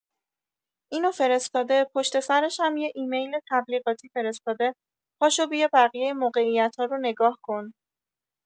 اینو فرستاده پشت سرشم یه ایمیل تبلیغاتی فرستاده پاشو بیا بقیه موقعیتا رو نگاه کن!